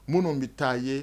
Minnu bɛ taa ye